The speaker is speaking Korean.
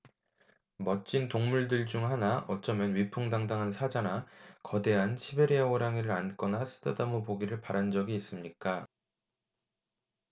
멋진 동물들 중 하나 어쩌면 위풍당당한 사자나 거대한 시베리아호랑이를 안거나 쓰다듬어 보기를 바란 적이 있습니까